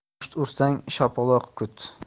musht ursang shapaloq kut